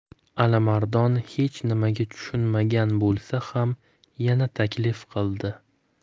alimardon hech nimaga tushunmagan bo'lsa ham yana taklif qildi